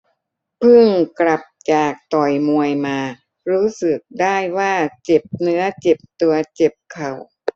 พึ่งกลับจากต่อยมวยมารู้สึกได้ว่าเจ็บเนื้อเจ็บตัวเจ็บเข่า